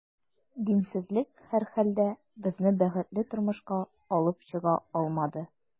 Динсезлек, һәрхәлдә, безне бәхетле тормышка алып чыга алмады.